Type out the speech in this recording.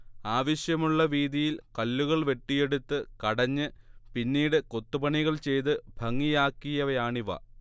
ആവശ്യമുള്ള വീതിയിൽ കല്ലുകൾ വെട്ടിയെടുത്ത് കടഞ്ഞ് പിന്നീട് കൊത്തുപണികൾ ചെയ്ത് ഭംഗിയാക്കിയവയാണിവ